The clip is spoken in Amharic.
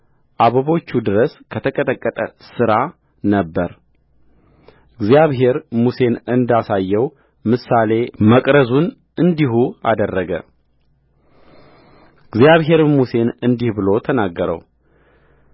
አበቦቹ ድረስ ከተቀጠቀጠ ሥራ ነበረ እግዚአብሔር ሙሴን እንዳሳየው ምሳሌ መቅረዙን እንዲሁ አደረገእግዚአብሔርም ሙሴን እንዲህ ብሎ ተናገረው